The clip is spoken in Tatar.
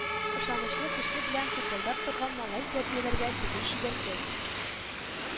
Ышанычлы кеше белән тупылдап торган малай тәрбияләргә тели чибәркәй